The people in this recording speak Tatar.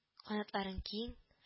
Канатларың киң